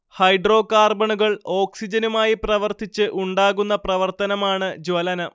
ഹൈഡ്രോകാർബണുകൾ ഓക്സിജനുമായി പ്രവർത്തിച്ച് ഉണ്ടാകുന്ന പ്രവർത്തനമാണ് ജ്വലനം